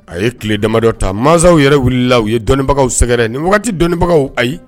A ye tile damadɔ ta mansaw yɛrɛ wulila la u ye dɔnniibagaw sɛgɛrɛ nin waati wagati dɔnniibagaw ayi